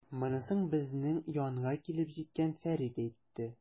Монысын безнең янга килеп җиткән Фәрит әйтте.